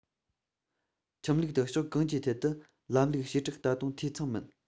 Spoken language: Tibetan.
ཁྲིམས ལུགས དང ཕྱོགས གང ཅིའི ཐད ཀྱི ལམ ལུགས བྱེ བྲག ད དུང འཐུས ཚང མིན